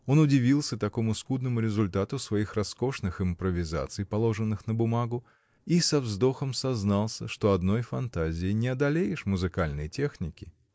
Он удивился такому скудному результату своих роскошных импровизаций, положенных на бумагу, и со вздохом сознался, что одной фантазией не одолеешь музыкальной техники.